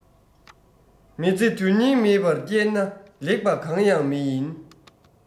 མི ཚེ དོན རྙིང མེད པར སྐྱལ ན ལེགས པ གང ཡང མི ཡིན